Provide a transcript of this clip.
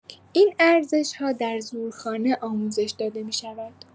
این ارزش‌ها در زورخانه آموزش داده می‌شود.